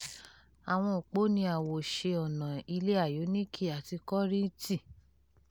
Àwọn òpó ní àwòṣe ọnà ilée ionic àti Corinthian.